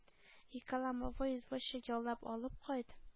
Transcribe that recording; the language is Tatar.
Ике ломовой извозчик яллап алып кайт!